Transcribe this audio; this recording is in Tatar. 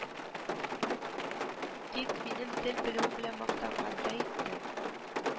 Дип минем тел белүем белән мактангандай иттең